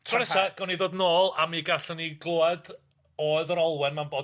Tro nesa, gawn ni ddod nôl a mi gallwn ni glwad oedd yr Olwen ma'n bod.